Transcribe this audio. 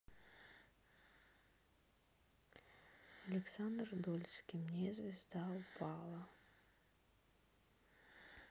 александр дольский мне звезда упала